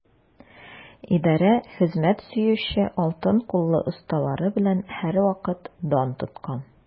Идарә хезмәт сөюче, алтын куллы осталары белән һәрвакыт дан тоткан.